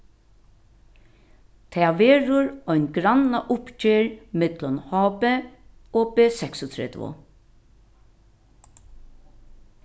tað verður ein grannauppgerð millum hb og b36